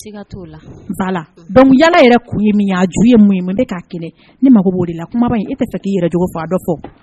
Bala yɛrɛ ye min jugu ye mun k'a kɛlɛ ni mago boli la kuma in e tɛ taa k ii yɛrɛcogo faa dɔ kɔ